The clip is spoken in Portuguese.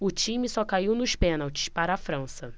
o time só caiu nos pênaltis para a frança